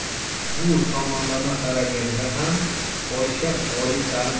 bu tomonlama qaraganda ham polsha oliy